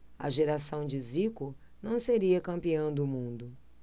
a geração de zico não seria campeã do mundo